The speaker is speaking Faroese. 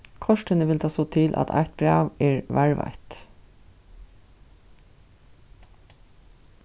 kortini vil tað so til at eitt bræv er varðveitt